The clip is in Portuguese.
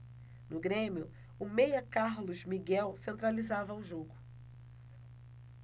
no grêmio o meia carlos miguel centralizava o jogo